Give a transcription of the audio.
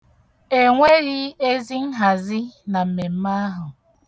Enweghị ezi nhazi na mmemme ahụ.